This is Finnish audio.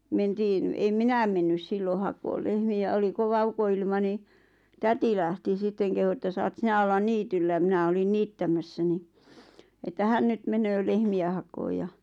mentiin en minä mennyt silloin hakemaan lehmiä oli kova ukonilma niin täti lähti sitten kehui että saat sinä olla niityllä minä olin niittämässä niin että hän nyt menee lehmiä hakemaan ja